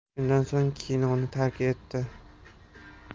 shundan so'ng kinoni tark etdi